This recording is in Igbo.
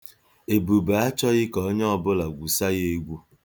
Ebube achọghị ka onye ọbụla gwusa ya egwu.